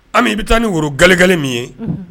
An i bɛ taa ni woro gaga min ye